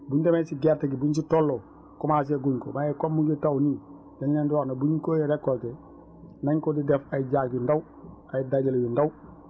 buñ demee si gerte gi buñ si tolloo commencé guñ ko waaye comme mi ngi taw nii dañ leen di wax ne buñ koy récolté nañ ko di def ay jaag yu ndaw ay dajale yu ndaw